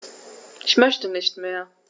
Ich möchte nicht mehr.